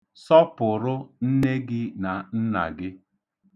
Sọpụrụ nne gị na nna gị.